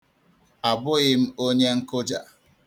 Abụghị m onye nkụja.